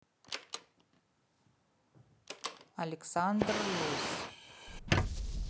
александр лось